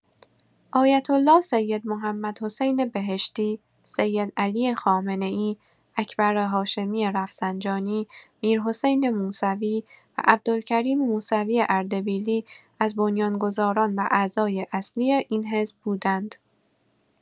آیت‌الله سید محمدحسین بهشتی، سیدعلی خامنه‌ای، اکبر هاشمی رفسنجانی، میرحسین موسوی و عبدالکریم موسوی اردبیلی از بنیان‌گذاران و اعضای اصلی این حزب بودند.